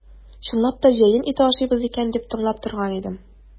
Чынлап та җәен ите ашыйбыз икән дип тыңлап торган идем.